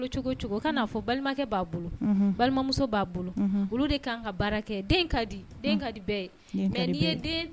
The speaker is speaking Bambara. B'a bolo balimamuso b'a bolo ka